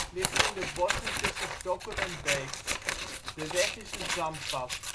ligt in de bossen tussen Stokkum en Beek. De weg is een zandpad